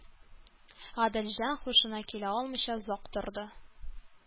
Гаделҗан һушына килә алмыйча озак торды